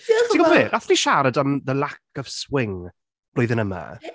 Timod be, wnaethon ni siarad am the lack of swing blwyddyn yma?